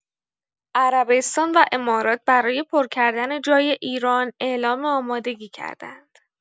عربستان و امارات برای پرکردن جای ایران اعلام آمادگی کرده‌اند.